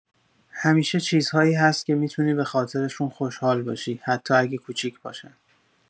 همیشه چیزهایی هست که می‌تونی به خاطرشون خوشحال باشی، حتی اگه کوچیک باشن.